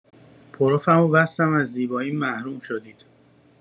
پروفمو بستم از زیباییم محروم شدید